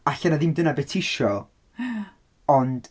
Alle na ddim dyna be ti isio... Ie. ... Ond...